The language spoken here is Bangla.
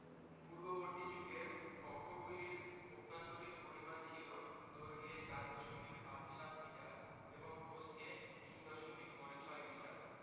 পূর্ববর্তী যুগের কক্ষগুলির অভ্যন্তরীণ পরিমাপ ছিল দৈর্ঘ্যে ৪ দশমিক আট সাত মিটার এবং প্রস্থে ৩ দশমিক নয় ছয় মিটার